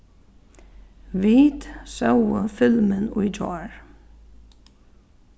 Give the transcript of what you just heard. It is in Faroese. vit sóu filmin í gjár